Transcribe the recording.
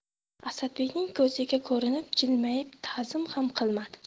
asadbekning ko'ziga ko'rinib jilmayib ta'zim ham qilmadi